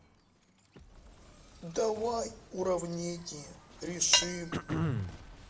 давай уравнение решим